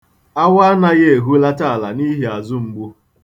Awa anaghị ehulata ala n'ihi azụ mgbu.